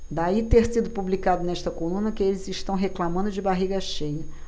daí ter sido publicado nesta coluna que eles reclamando de barriga cheia